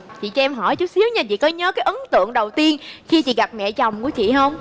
chị cho em hỏi chút xíu nha chị có nhớ cái ấn tượng đầu tiên khi chị gặp mẹ chồng của chị hông